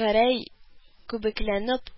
Гәрәй күбекләнеп